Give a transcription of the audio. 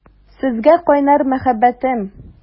Сезгә кайнар мәхәббәтем!